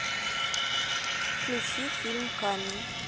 включи фильм камень